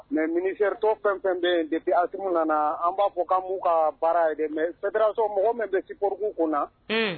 Mɛ minisɛritɔ fɛn fɛn bɛ de asumu nana an b'a fɔ' ka baara mɛ fɛnprraso mɔgɔ min bɛ siorobugu kunna na